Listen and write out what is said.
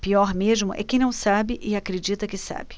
pior mesmo é quem não sabe e acredita que sabe